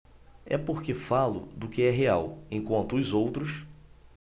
é porque falo do que é real enquanto os outros